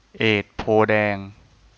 เอดโพธิ์แดง